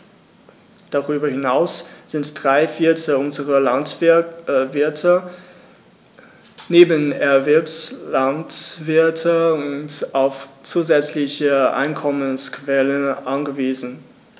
Darüber hinaus sind drei Viertel unserer Landwirte Nebenerwerbslandwirte und auf zusätzliche Einkommensquellen angewiesen.